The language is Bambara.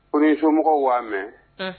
O ni somɔgɔw waa mɛn